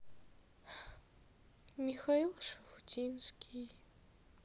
михаил шафутинский